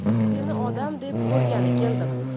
seni odam deb ko'rgani keldim